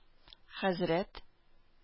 Хәзрәт